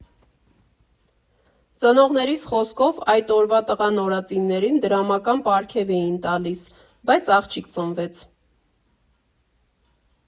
Ծնողներիս խոսքով՝ այդ օրվա տղա նորածիններին դրամական պարգև էին տալիս, բայց աղջիկ ծնվեց։